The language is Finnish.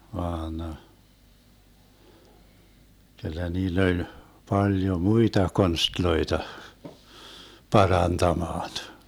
vaan kyllä niillä oli paljon muita konsteja parantamaan